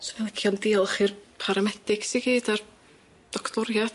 Swn i'n licio diolch i'r paramedics i gyd a'r doctoriad.